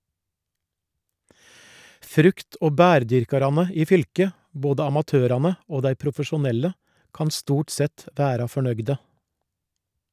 Frukt- og bærdyrkarane i fylket, både amatørane og dei profesjonelle, kan stort sett vera fornøgde.